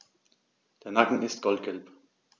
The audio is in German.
Der Nacken ist goldgelb.